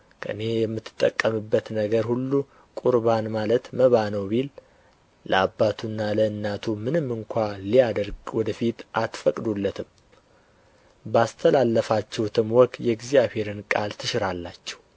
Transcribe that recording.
ከእኔ የምትጠቀምበት ነገር ሁሉ ቍርባን ማለት መባ ነው ቢል ለአባቱና ለእናቱ ምንም እንኳ ሊያደርግ ወደ ፊት አትፈቅዱለትም ባስተላለፋችሁትም ወግ የእግዚአብሔርን ቃል ትሽራላችሁ